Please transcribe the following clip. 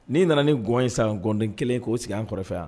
N'i nana ni ŋɔn ye sisan ŋɔnden kelen k'o sigi an kɛrɛfɛ yan